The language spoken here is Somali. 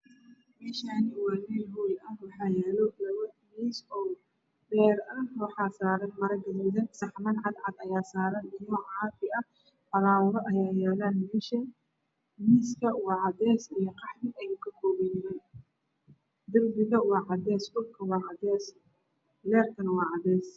Meeshaan waa meel hool ah waxaa yaalo labo miis oo beer ah waxaa saaran maro gaduudan saxaman cadcad ah ayaa saaran iyo biyo caafi ah falaawaro ayaa yaalo. Miiska waa cadeys iyo qaxwi. Darbiga waa cadeys dhulkuna waa cadeys leyrka waa cadeys.